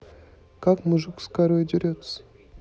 как мужик дерется с корой дерется